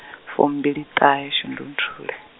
fumbiliṱahe shundunthule.